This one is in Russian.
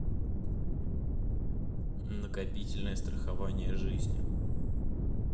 накопительное страхование жизни